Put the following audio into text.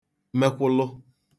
mekwụlụ